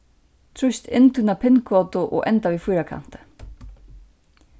trýst inn tína pin-kodu og enda við fýrakanti